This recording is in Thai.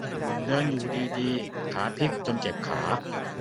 เดินอยู่ดีดีขาพลิกจนเจ็บขา